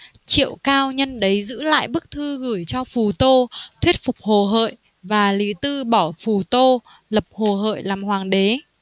triệu cao nhân đấy giữ lại bức thư gửi cho phù tô thuyết phục hồ hợi và lý tư bỏ phù tô lập hồ hợi làm hoàng đế